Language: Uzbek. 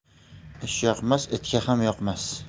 ishyoqmas itga ham yoqmas